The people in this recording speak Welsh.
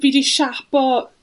fi 'di 'siapo